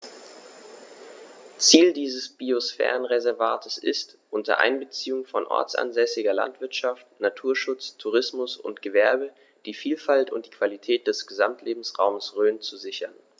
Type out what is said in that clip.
Ziel dieses Biosphärenreservates ist, unter Einbeziehung von ortsansässiger Landwirtschaft, Naturschutz, Tourismus und Gewerbe die Vielfalt und die Qualität des Gesamtlebensraumes Rhön zu sichern.